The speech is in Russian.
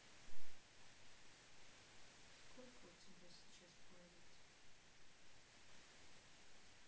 сколько у тебя сейчас пользователей